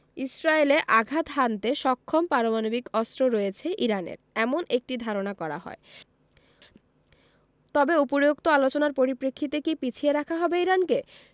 ইসরায়েলে আঘাত হানতে সক্ষম পারমাণবিক অস্ত্র রয়েছে ইরানের এমন একটি ধারণা করা হয় তবে উপরোক্ত আলোচনার পরিপ্রেক্ষিতে কি পিছিয়ে রাখা হবে ইরানকে